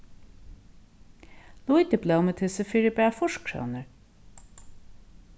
lítið blómutyssi fyri bara fýrs krónur